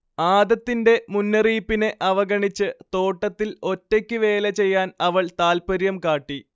ആദത്തിന്റെ മുന്നറിയിപ്പിനെ അവഗണിച്ച് തോട്ടത്തിൽ ഒറ്റയ്ക്ക് വേലചെയ്യാൻ അവൾ താൽപര്യം കാട്ടി